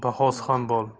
bahosi ham bol